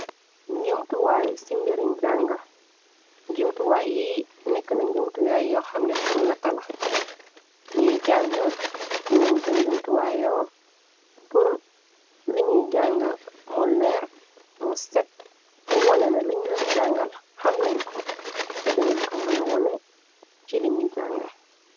Njumtuwaay ci mbirum jànga. jumtuwaay yi, nekk na njumtuyaay yoo xamne pur natala. Nñuy jànga dinañ ko njumtuwaayyo, pur liñuy jànga mu, leer mu set, mu wone ne liñu leen jàngal xam nañ ko, te dinañ ko mëna wone ci liñu jànga.